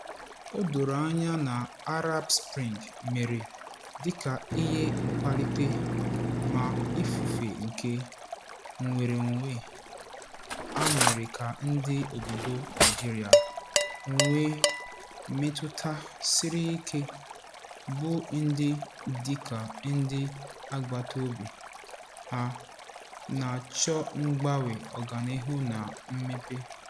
O doro anya na Arab Spring mere dịka ihe mkpalite, ma ifufe nke nnwereonwe a mere ka ndị obodo Algeria nwee mmetụta siri ike, bụ ndị, dịka ndị agbataobi ha, na-achọ mgbanwe, ọganihu na mmepe.